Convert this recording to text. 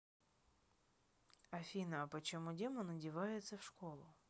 афина а почему демон одевается в школу